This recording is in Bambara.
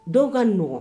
Don ka n